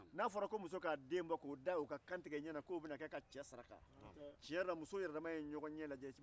n'a fɔra musp k' a den bɔ k'o da k'o bɛna kɛ saraka ye musow yɛrɛdama ye ɲɔgɔn ɲɛ lajɛ